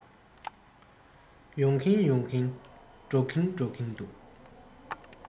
ཡོང གིན ཡོང གིན འགྲོ གིན འགྲོ གིན འདུག